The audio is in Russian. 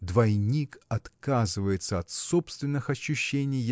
Двойник отказывается от собственных ощущений